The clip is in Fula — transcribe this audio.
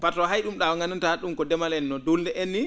par to hay ?um ?aa ko nganndantaa ko ndemal en no dulnde en nii